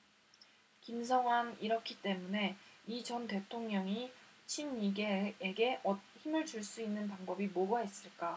김성완 이렇기 때문에 이 전 대통령이 친이계에게 힘을 실어줄 수 있는 방법이 뭐가 있을까